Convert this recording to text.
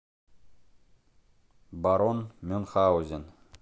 барон мюнхаузен